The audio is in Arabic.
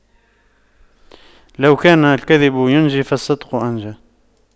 لو كان الكذب ينجي فالصدق أنجى